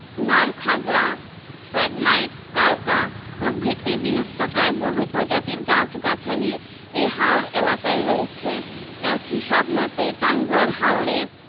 নলখাগড়া Phragmites karka প্রভৃতি বিলুপ্তপ্রায় বহু প্রজাতির গাছ গাছালি এ হাওর এলাকায় রয়েছে এক হিসাব মতে টাঙ্গুয়ার হাওরে